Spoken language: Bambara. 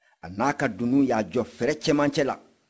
a n'a ka dununba y'a jɔ fɛrɛ cɛmancɛ la